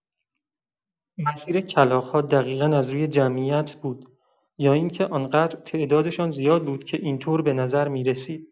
مسیر کلاغ‌ها دقیقا از روی جمعیت بود، یا این‌که آن‌قدر تعدادشان زیاد بود که این‌طور به‌نظر می‌رسید.